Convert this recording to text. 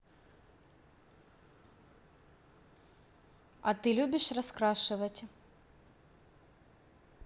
а ты любишь раскрашивать